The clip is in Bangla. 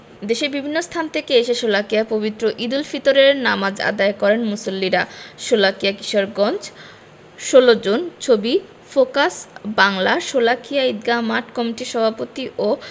দেশের বিভিন্ন স্থান থেকে এসে শোলাকিয়ায় পবিত্র ঈদুল ফিতরের নামাজ আদায় করেন মুসল্লিরা শোলাকিয়া কিশোরগঞ্জ ১৬ জুন ছবি ফোকাস বাংলাশোলাকিয়া ঈদগাহ মাঠ কমিটির সভাপতি ও